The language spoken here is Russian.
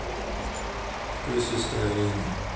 кто сестра лена